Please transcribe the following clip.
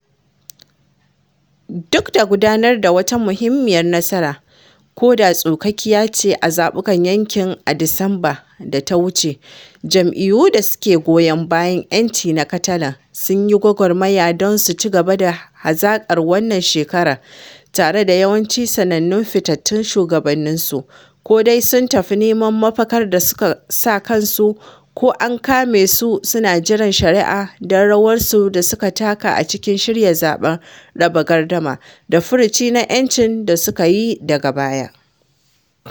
Duk da gudanar da wata muhimmiyar nasara ko da tsukakkiya ce a cikin zaɓuɓɓukan yankin a Disamba da ta wuce, jam’iyyun da ke goyon bayan ‘yanci na Catalan sun yi gwagwarmaya don su ci gaba da hazaƙar wannan shekarar tare da yawancin sanannun fitattun shugabanninsu ko dai sun tafi neman mafakar da suka sa kansu ko an kame su suna jiran shari’a don rawarsu da suka taka a cikin shirya zaɓen raba gardamar da furuci na ‘yanci da suka yi daga baya.